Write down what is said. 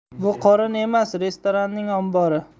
bu qorin emas restoranning ombori